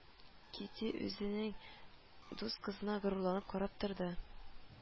Кити үзенең дус кызына горурланып карап торды